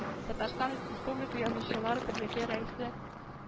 Татарстан Республика Язучылар берлеге рәисе